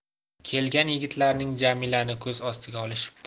kelgan yigitlarning jamilani ko'z ostiga olishibdi